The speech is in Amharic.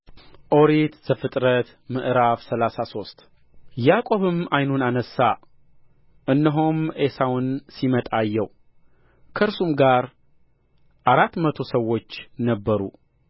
ኦሪት ዘፍጥረት ምዕራፍ ሰላሳ ሶስት ያዕቆብም ዓይኑን አነሣ እነሆም ዔሳውን ሲመጣ አየው ከእርሱም ጋር አራት መቶ ሰዎች ነበሩ